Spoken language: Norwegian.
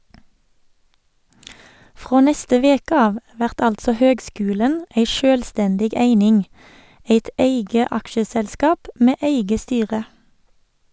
Frå neste veke av vert altså høgskulen ei sjølvstendig eining, eit eige aksjeselskap med eige styre.